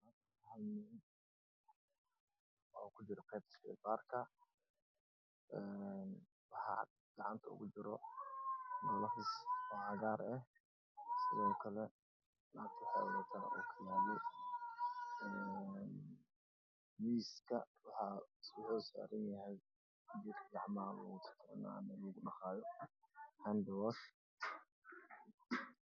Waxaa ii muuqda wiil iyo gabar dhakhtar ah waxa ay fiirinayaan daawada waxa ay wataan dharcaddana gacmahana waxay ku wataan galoofisiyo buluug ah